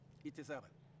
i tɛ se a la